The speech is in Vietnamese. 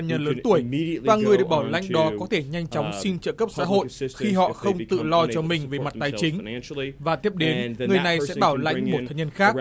nhân lớn tuổi và người được bảo lãnh đó có thể nhanh chóng xin trợ cấp xã hội khi họ không tự lo cho mình về mặt tài chính và tiếp đến người này bảo lãnh một thân nhân khác